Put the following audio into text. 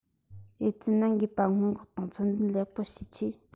ཨེ ཙི ནད འགོས པ སྔོན འགོག དང ཚོད འཛིན ལེགས པོ བྱེད ཆེད